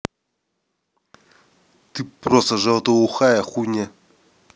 ты просто желтоухая хуйня